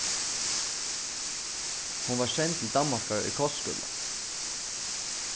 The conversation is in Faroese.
hon varð send til danmarkar í kostskúla